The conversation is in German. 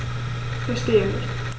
Verstehe nicht.